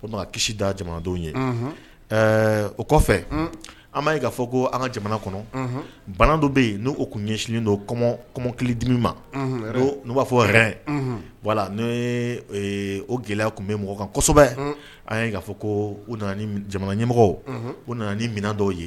O kisi da jamanadenw ye ɛɛ o kɔfɛ an'a ye'a fɔ ko an ka jamana kɔnɔ banadɔ bɛ yen n' u tun yes don kɔmɔmmɔkili dimi ma n b'a fɔ yɛrɛ wala n'o o gɛlɛya tun bɛ mɔgɔ kan kosɛbɛ an fɔ ko u jamana ɲɛmɔgɔ u nana ni minɛn dɔw ye